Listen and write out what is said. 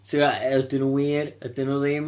Ti fatha ydyn nhw wir? Ydyn nhw ddim?